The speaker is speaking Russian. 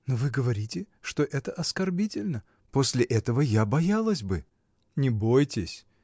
— Но вы говорите, что это оскорбительно: после этого я боялась бы. — Не бойтесь!